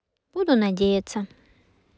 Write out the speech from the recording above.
буду надеяться